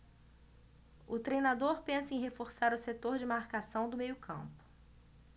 o treinador pensa em reforçar o setor de marcação do meio campo